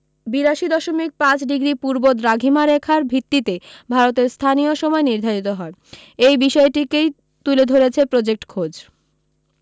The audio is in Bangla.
বিরাশি দশমিক পাঁচ ডিগ্রী পূর্ব দ্রাঘিমারেখার ভিত্তিতেই ভারতের স্থানীয় সময় নির্ধারিত হয় এই বিষয়টিকেই তুলে ধরেছে প্রজেক্ট খোঁজ